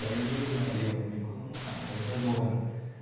đấy là điều mình cảm thấy hơi buồn